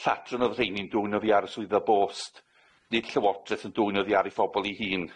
Lladron o'dd rheini'n dwyn oddi ar y Swyddfa Bost, nid llywodreth yn dwyn oddi ar ei phobol ei hun.